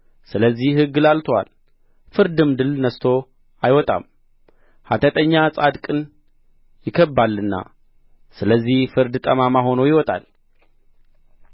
ስለዚህ ሕግ ላልቶአል ፍርድም ድል ነሥቶ አይወጣም ኃጢአተኛ ጻድቅን ይከብባልና ስለዚህ ፍርድ ጠማማ ሆኖ ይወጣል